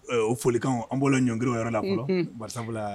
O folikan an b' ɲɔngiriw yɔrɔ la kuma bakarijan